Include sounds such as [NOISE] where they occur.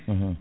[HESITATION] [HESITATION]